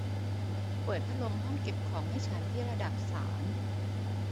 เปิดพัดลมห้องเก็บของให้ฉันที่ระดับสาม